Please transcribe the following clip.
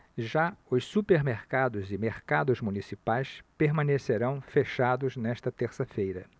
já os supermercados e mercados municipais permanecerão fechados nesta terça-feira